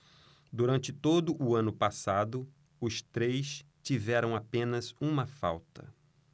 durante todo o ano passado os três tiveram apenas uma falta